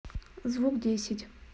звук десять